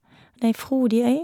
Det er ei frodig øy.